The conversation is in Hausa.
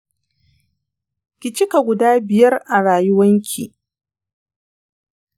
ki cika guda biyar a rayuwanki.